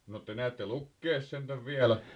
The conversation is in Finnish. no te näette lukea sentään vielä